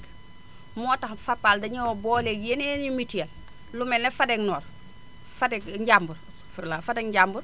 moo tax Fapal dañoo boole yéen i mutuelle lu mel ne Fadeg nord Fadeg Njambur astafurlah Fadeg njambur